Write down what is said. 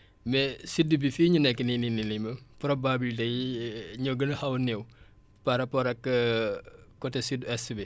mais sud bi fii ñu nekk nii nii nii probabilité yi ñoo gën a xaw a néew par rapport ak côté sud-est bi